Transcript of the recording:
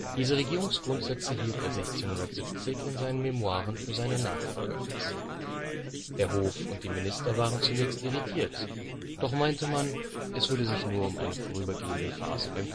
Diese Regierungsgrundsätze hielt er 1670 in seinen „ Memoiren “für seinen Nachfolger fest. Der Hof und die Minister waren zunächst irritiert, doch meinte man, es würde sich nur um eine vorübergehende Phase beim